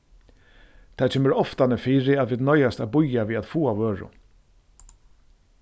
tað kemur oftani fyri at vit noyðast at bíða við at fáa vøru